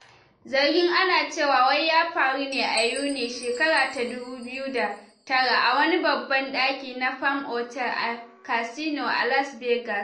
Zargin ana cewa wai ya faru ne a Yuni 2009 a wani babban ɗaki na Palm Otel and Casino a Las Vegas.